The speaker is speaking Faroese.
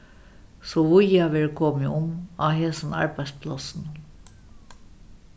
so víða verður komið um á hesum arbeiðsplássinum